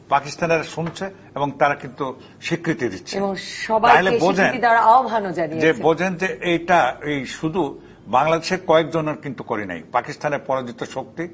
পাকিস্তানিরা শুনছে এবং তারা কিন্তু স্বীকৃতি দিচ্ছে এবং সবাইকে সহযোগিতার আহবান ও জানিয়েছে তাহলে বোঝেন বোঝেন যে এইটা শুধু বাংলাদেশের কয়েক জনের কিন্তু করে নাই পাকিস্তানের পরাজিত শক্তি